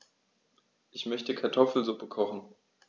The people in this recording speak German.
Ich möchte Kartoffelsuppe kochen.